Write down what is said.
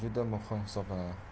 juda muhim hisoblanadi